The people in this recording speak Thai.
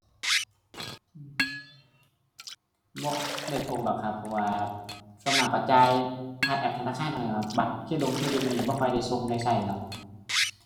บ่ได้พกดอกครับเพราะว่าส่วนมากก็จ่ายผ่านแอปธนาคารเอานี่ล่ะ บัตรเครดงเครดิตนี่บ่ค่อยได้ซ่งได้ใช้หรอก